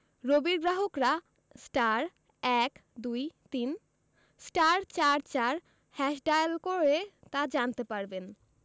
রবির গ্রাহকরা *১২৩*৪৪# ডায়াল করে তা জানতে পারবেন